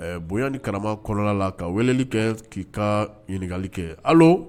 Ɛɛ bonya ni karama kɔlɔn la ka weleli kɛ k' ka ɲininkali kɛ hali